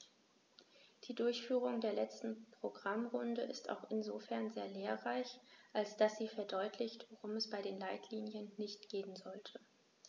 Die Durchführung der letzten Programmrunde ist auch insofern sehr lehrreich, als dass sie verdeutlicht, worum es bei den Leitlinien nicht gehen sollte.